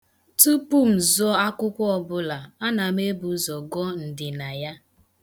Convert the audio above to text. Tụpụ m zụo akwụkwọ ọbụla, a na m ebu ụzọ gụọ ndịna ya.